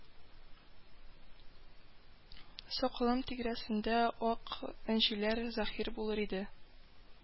Сакалым тигрәсендә ак энҗеләр заһир булыр иде